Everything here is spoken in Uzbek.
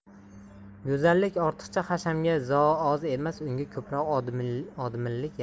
go'zallik ortiqcha hashamga zo oz emas unga ko'proq odmilik yarashadi